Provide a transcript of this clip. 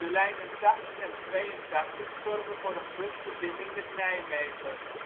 lijnen 80 en 82 zorgen voor een busverbinding met Nijmegen